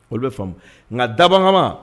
Olu bɛ faamu nka dabama